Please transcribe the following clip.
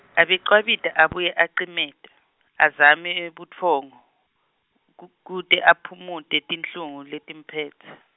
Abecwabita abuye acimete, azame butfongo, ku- kute aphumute tinhlungu letimphetse.